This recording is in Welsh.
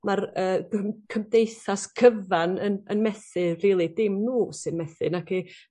ma'r yy gym- cymdeithas cyfan yn yn methu rili dim n'w sy'n methu naci?